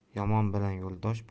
yomon bilan yo'ldosh